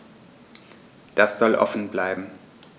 Das soll offen bleiben.